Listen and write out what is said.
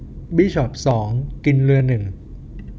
บิชอปสองกินเรือหนึ่ง